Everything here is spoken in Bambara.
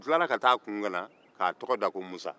u tilara ka ta'a kun ganan k'a tɔgɔ da ko musa